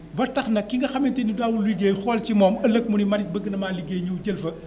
ba tax na ki nga xamante ni daawul liggéey xool ci moom ëllëg mu ne man bëgg namaa liggéey ñëw jël fa